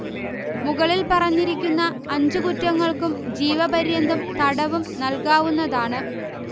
മുകളിൽ പറഞ്ഞിരിക്കുന്ന അഞ്ചു കുറ്റങ്ങൾക്കും ജീവപര്യന്തം തടവും നൽകാവുന്നതാണ്